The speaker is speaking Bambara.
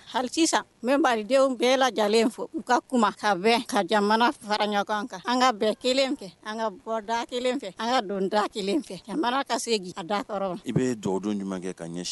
Hali sisan n bɛ malidenw bɛɛ lajɛlenlen fo u ka kuma ka bɛn ka jamana fara ɲɔgɔn kan. An ka bɛn kelen fɛ, an ka bɔ da kelen fɛ , an ka don da kelen fɛ . Ka mara ka segin a da kɔrɔ la .i bɛ dugawu don ɲuman kɛ ka ɲɛ